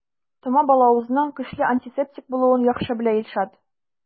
Тома балавызның көчле антисептик булуын яхшы белә Илшат.